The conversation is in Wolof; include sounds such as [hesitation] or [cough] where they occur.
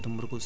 [hesitation] [hesitation] [noise]